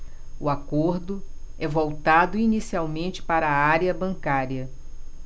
o acordo é voltado inicialmente para a área bancária